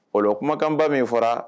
O kumakanba min fɔra